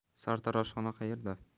sartaroshxona qayerda